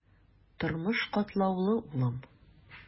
Тормыш катлаулы, улым.